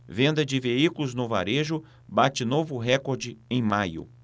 venda de veículos no varejo bate novo recorde em maio